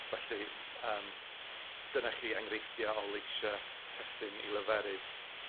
Felly m- yym dyna chi enghreifftia' o leisia' testun i leferydd